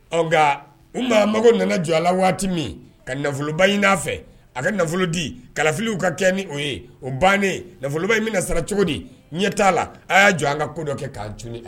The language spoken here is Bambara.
U maa mago nana jɔ a la waati min ka nafoloba in na fɛ a ka nafolo di kalifafiliw ka kɛ ni o ye o bannen nafoloba in bɛna na sara cogo di ɲɛ t'a la a y'a jɔ an ka ko dɔ kɛ k'an tuguni